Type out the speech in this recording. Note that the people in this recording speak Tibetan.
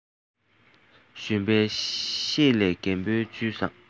གཞོན པའི ཤེད ལས རྒན པོའི ཇུས བཟང